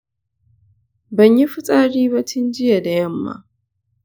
banyi fitsari ba tin jiya da yamma.